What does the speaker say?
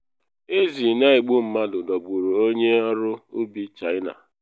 Ezi Na Egbu Mmadụ Dọgburu Onye Ọrụ Ubi China